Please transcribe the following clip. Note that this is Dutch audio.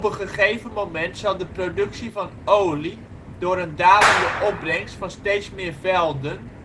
gegeven moment zal de productie van olie door een dalende opbrengst van steeds meer velden